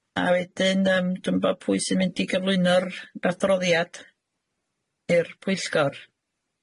A wedyn yym dwi'm 'bo' pwy sy'n mynd i gyflwyno'r adroddiad i'r pwyllgor?